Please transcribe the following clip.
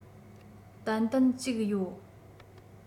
ཏན ཏན གཅིག ཡོད